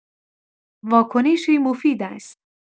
واکنشی مفید است.